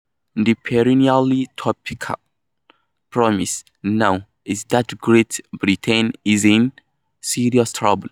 The perennially topical premise now is that Great Britain is in serious trouble.